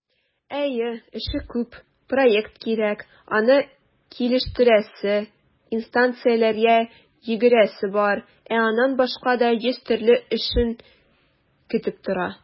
Әйе, эше күп - проект кирәк, аны килештерәсе, инстанцияләргә йөгерәсе бар, ә аннан башка да йөз төрле эшең көтеп тора.